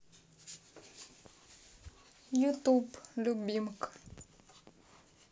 ютюб любимка